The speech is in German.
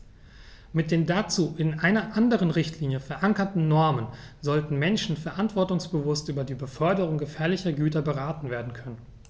Mit den dazu in einer anderen Richtlinie, verankerten Normen sollten Menschen verantwortungsbewusst über die Beförderung gefährlicher Güter beraten werden können.